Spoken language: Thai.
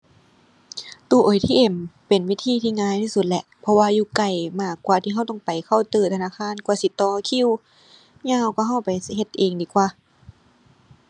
ตู้ ATM เป็นวิธีที่ง่ายที่สุดแล้ว เพราะว่าอยู่ใกล้มากกว่าที่เราต้องไปเคาน์เตอร์ธนาคาร กว่าสิต่อคิว ยาวกว่าเราไปสิเฮ็ดเองดีกว่า